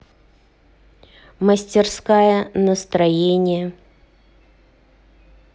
мастерская настроения